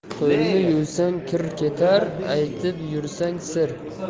qo'lni yuvsang kir ketar aytib yuborsang sir